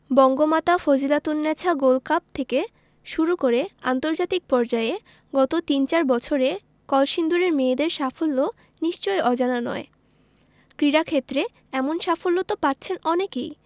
Bangamata Fazilatunnesa gold cup থেকে শুরু করে আন্তর্জাতিক পর্যায়ে গত তিন চার বছরে কলসিন্দুরের মেয়েদের সাফল্য নিশ্চয়ই অজানা নয় ক্রীড়াক্ষেত্রে এমন সাফল্য তো পাচ্ছেন অনেকেই